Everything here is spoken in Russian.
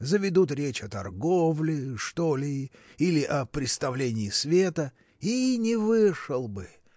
заведут речь о торговле, что ли, или о преставлении света. и не вышел бы!